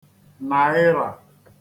nàịrà